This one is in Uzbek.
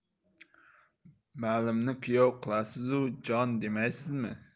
malimni kuyov qilasizu jon demaysizmi